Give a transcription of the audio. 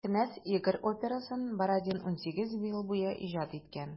Мәсәлән, «Кенәз Игорь» операсын Бородин 18 ел буе иҗат иткән.